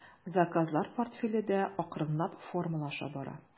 Заказлар портфеле дә акрынлап формалаша бара.